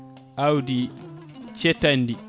awdi cettadi ndi